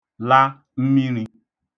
la mmiṙī